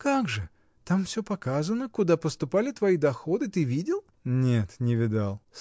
— Как же, там всё показано, куда поступали твои доходы, — ты видел? — Нет, не видал.